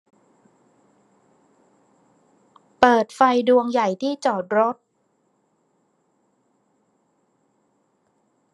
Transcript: เปิดไฟดวงใหญ่ที่จอดรถ